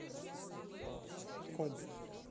в ком